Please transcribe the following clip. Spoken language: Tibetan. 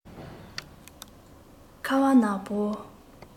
ཁ བ ན བོར